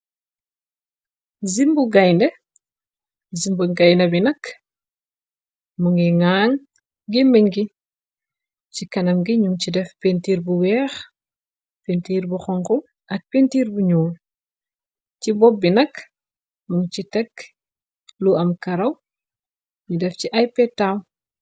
Simbu gayna, bi nak mu ngi ngaang gi meñ gi, ci kanam gi ñum ci def pintiir bu weex, pintiir bu xonxu, ak pintiir bu ñuul, ci bop bi nakk mung ci tekk lu am karaw, nu def ci aypetaaw.